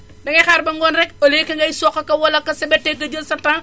dangay xaar ba ngoon rekk au lieu que ngay soq ak a wal ak a sebet a ka jël sa temps